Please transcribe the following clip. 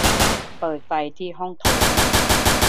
เปิดไฟที่ห้องโถง